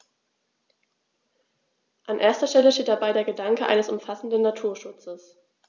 An erster Stelle steht dabei der Gedanke eines umfassenden Naturschutzes.